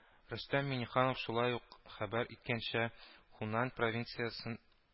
Рөстәм Миңнеханов шулай ук хәбәр иткәнчә, Хунань провинциясе